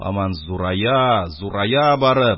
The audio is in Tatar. Һаман зурая-зурая барып,